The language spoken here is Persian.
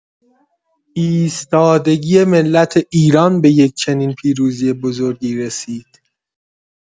ایستادگی ملت ایران به یک چنین پیروزی بزرگی رسید.